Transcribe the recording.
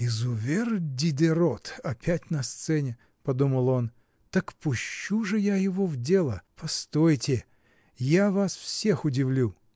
"Изувер Дидерот опять на сцене, -- подумал он, -- так пущу же я его в дело, постойте я вас всех удивлю".